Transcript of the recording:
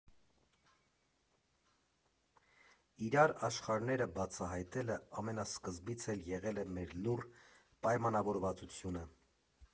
Իրար աշխարհները բացահայտելը ամենասկզբից էլ եղել է մեր լուռ պայանավորվածությունը։